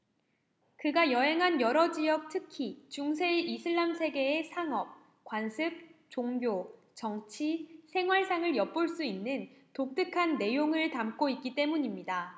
그가 여행한 여러 지역 특히 중세 이슬람 세계의 상업 관습 종교 정치 생활상을 엿볼 수 있는 독특한 내용을 담고 있기 때문입니다